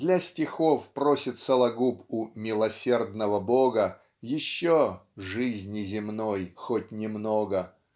для стихов просит Сологуб у "милосердного Бога" еще "жизни земной хоть немного"